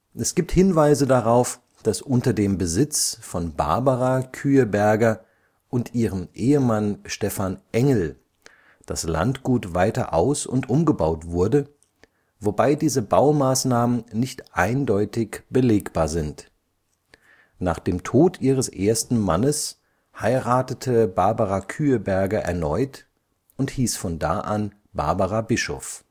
Es gibt Hinweise darauf, dass unter dem Besitz von Barbara Khüeberger und ihrem Ehemann Stefan Engl das Landgut weiter aus - und umgebaut wurde, wobei diese Baumaßnahmen nicht eindeutig belegbar sind. Nach dem Tod ihres ersten Mannes heiratete Barbara Khüeberger erneut und hieß von da an Barbara Bischof